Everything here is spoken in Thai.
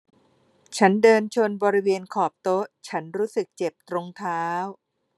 ฉันเดินชนบริเวณขอบโต๊ะฉันรู้สึกเจ็บตรงเท้า